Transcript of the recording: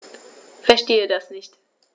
Verstehe das nicht.